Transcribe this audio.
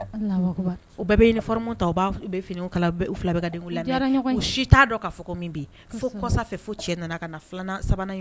U bɛɛ bɛ uniforme ta u b'a u bɛ finiw kala u fila bɛɛ u si t'a dɔn k'a fɔ ko min bɛ yen, fo kɔsa fɛ fo cɛ nana filanan sabanan